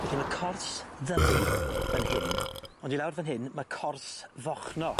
Felly ma' cors Ddyfi fan hyn ond i lawr fan hyn ma' cors Fochno.